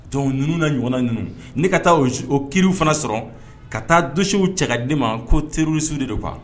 Dɔnku ninnu na ɲɔgɔn ninnu ne ka taa o kiriw fana sɔrɔ ka taa donsosiw cɛ kaden ma ko teriurusu de kan